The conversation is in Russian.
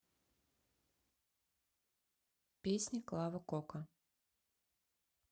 песни клава кока